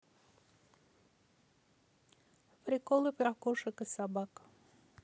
приколы про кошек и собак